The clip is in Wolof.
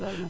leer na